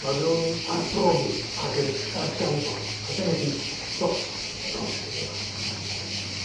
Ma' nw'n arbrofi ag yn darganfod a dyna 'di ethos y prosiect yma.